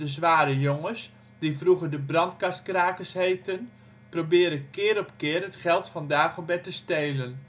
Zware Jongens (die vroeger de brandkastenkrakers heetten) proberen keer op keer het geld van Dagobert te stelen